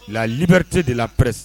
Lalibte de la pres